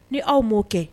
Ni aw m'o kɛ